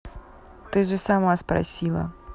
ты же сама спросила